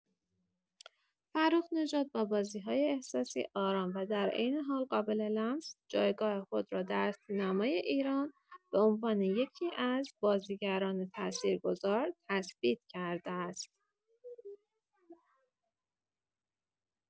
فرخ‌نژاد با بازی‌های احساسی، آرام و در عین حال قابل‌لمس، جایگاه خود را در سینمای ایران به‌عنوان یکی‌از بازیگران تأثیرگذار تثبیت کرده است.